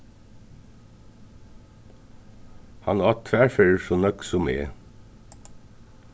hann át tvær ferðir so nógv sum eg